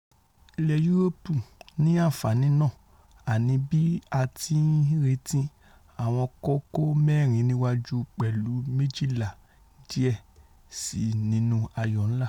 Ilẹ̀ Yuroopu ní àǹfààní náà, àní bí a ti ńretí, àwọn kókó mẹ́rin níwájú pẹ̀lú méjìlà díẹ̀ síi nínú ayò náà.